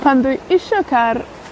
Pan dwi isio car